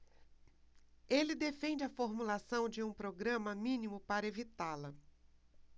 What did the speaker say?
ele defende a formulação de um programa mínimo para evitá-la